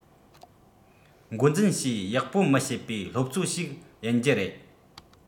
འགོ འཛིན བྱས ཡག པོ མི བྱེད པའི སློབ གཙོ ཞིག ཡིན རྒྱུ རེད